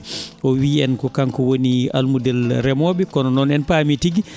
o wiyi en ko kanko woni almudel remooɓe kono noon en paami tigi